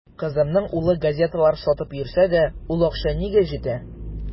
Кызымның улы газеталар сатып йөрсә дә, ул акча нигә җитә.